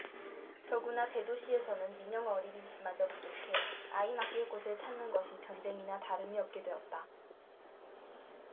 더구나 대도시에서는 민영 어린이집마저 부족해 아이 맡길 곳을 찾는 것이 전쟁이나 다름이 없게 되었다